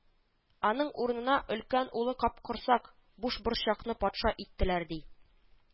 Аның урынына өлкән улы капкорсак — бушборчакны патша иттеләр, ди